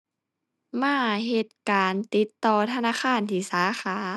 มาเฮ็ดการติดต่อธนาคารที่สาขา